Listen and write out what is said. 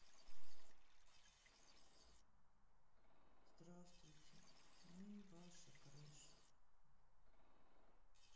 здравствуйте мы ваша крыша